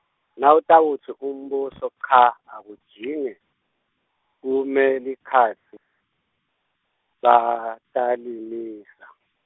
Nawutawutsi umbuso cha akujinge, kume likhasi batalimisa.